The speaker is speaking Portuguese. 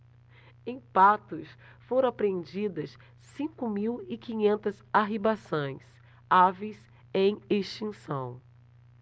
em patos foram apreendidas cinco mil e quinhentas arribaçãs aves em extinção